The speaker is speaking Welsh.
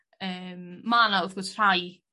Yym ma' 'na wrth gwrs rhai